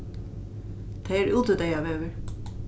tað er útideyðaveður